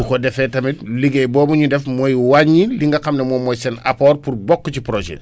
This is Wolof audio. bu ko defee tamit liggéey boobu ñuy def mooy wàññi li nga xam ne moom mooy seen apport pour bokk ci projet bi